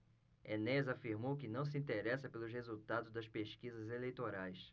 enéas afirmou que não se interessa pelos resultados das pesquisas eleitorais